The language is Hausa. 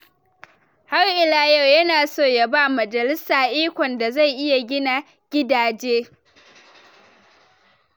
Har ila yau, yana so ya ba majalisa ikon da zai iya gina gidaje.